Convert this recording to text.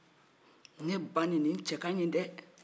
ne ba in nin cɛkaɲi dɛ